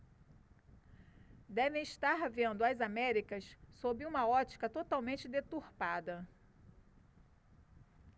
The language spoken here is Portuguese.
devem estar vendo as américas sob uma ótica totalmente deturpada